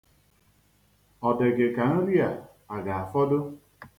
Ọ dị gị ka nri a, a ga-afọdụ?